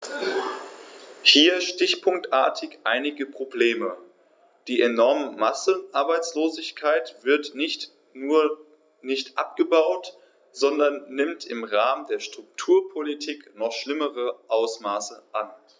Hier stichpunktartig einige Probleme: Die enorme Massenarbeitslosigkeit wird nicht nur nicht abgebaut, sondern nimmt im Rahmen der Strukturpolitik noch schlimmere Ausmaße an.